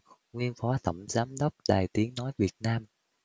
nguyên phó tổng giám đốc đài tiếng nói việt nam